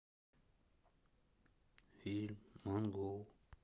фильм монгол